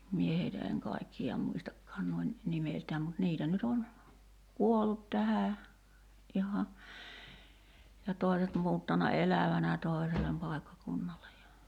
minä heitä en kaikkia muistakaan noin nimeltään mutta niitä nyt on kuollut tähän ihan ja toiset muuttanut elävänä toiselle paikkakunnalle ja